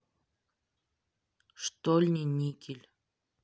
штольни никель